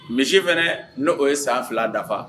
Misi fana n' oo ye san fila dafa